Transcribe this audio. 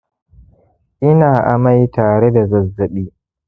ina amai tareda da zazzabi